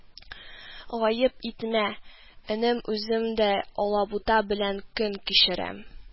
Гаеп итмә, энем үзем дә алабута белән көн кичерәм